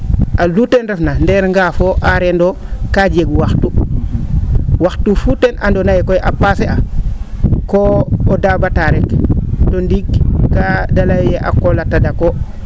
aluu teen refna ndeer ngaafo aareer o kaa jeg waxtu waxtu fuu teen koy andoona yee a passer a koo dabataa rek to ndiig kaa ta lay ee a qool a tadak oo